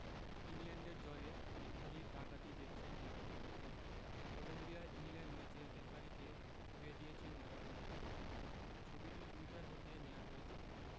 ইংল্যান্ডের জয়ে রেফারির ডাকাতি দেখছেন ম্যারাডোনা কলম্বিয়া ইংল্যান্ড ম্যাচের রেফারিকে ধুয়ে দিয়েছেন ম্যারাডোনা ছবিটি টুইটার হতে নেয়া হয়েছে